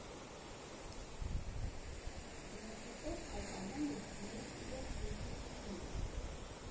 Որովհետև այդ ամենը միայն իրենց երկուսինն էր։